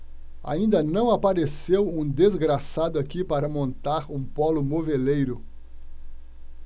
ainda não apareceu um desgraçado aqui para montar um pólo moveleiro